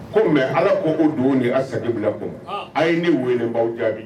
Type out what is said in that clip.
Ko mais allah ko a ye ne weele ne b'a, b'aw jaabi.